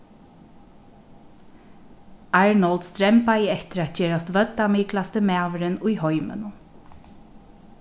arnold strembaði eftir at gerast vøddamiklasti maðurin í heiminum